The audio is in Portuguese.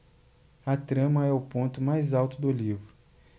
a trama é o ponto mais alto do livro